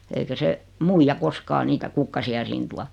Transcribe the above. eikä se muija koskaan niitä kukkasia siihen tuo